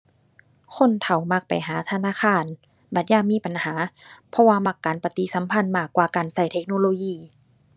คนเฒ่ามักไปหาธนาคาร บัดยามมีปัญหา เพราะว่ามักการปฏิสัมพันธ์มากกว่าการใช้เทคโนโลยี